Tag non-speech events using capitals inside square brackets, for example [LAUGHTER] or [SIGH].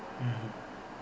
[HESITATION] [HESITATION]